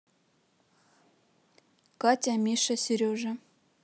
катя миша сережа